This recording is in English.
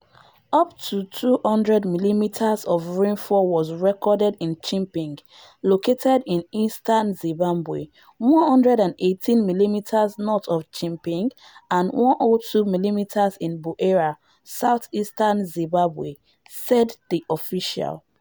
“Up to 200 millimeters of rainfall was recorded in Chipinge [located in eastern Zimbabwe], 118 millimeters north of Chipinge, and 102 millimeters in Buhera [southeastern Zimbabwe],” said the official.